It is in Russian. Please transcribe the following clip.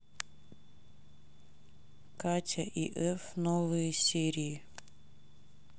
катя и эф новые серии